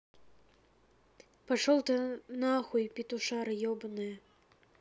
пошел ты нахуй петушара ебаная